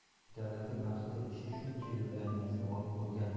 yigitali aka paxta ishi shuncha yuragingizni olib qo'yganmi